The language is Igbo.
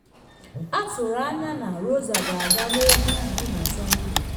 Atụrụ anya na Rosa ga-aga n’ebe ugwu na Sọnde.